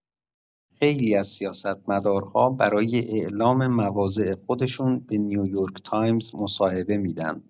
خیلی از سیاستمدارها برای اعلام مواضع خودشون به نیویورک‌تایمز مصاحبه می‌دن.